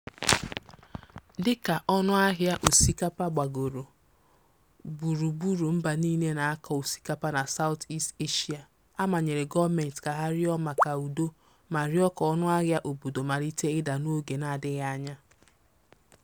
Dịka ọnụahịa osikapa gbagoro gburugburu mba niile na-akọ osikapa na Southeast Asia, a manyere gọọmentị ka ha rịọ maka udo ma rịọ ka ọnụahịa obodo malite ịda n'oge n'adịghị anya.